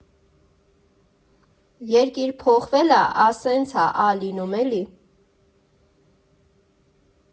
Երկիր փոխվելը ա սենց ա լինում էլի։